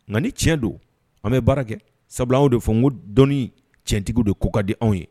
Nka ni tiɲɛ don, an bɛ baara kɛ sabula anw de fɔ, n ko dɔnni tiɲɛtigiw de ko ka di anw ye